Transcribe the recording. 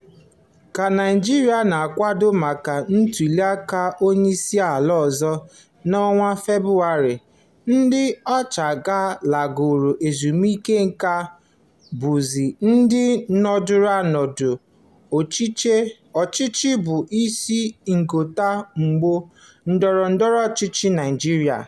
Ka Naịjirịa na-akwado maka ntụliaka onyeisi ala ọzọ n'ọnwa Febụwarị, ndị ọchịagha lagoro ezumike nka bụzị ndị ndọrọ ndọrọ ọchịchị bụ isi n'ịghọta ọgbọ ndọrọ ndọrọ ọchịchị Naijiria.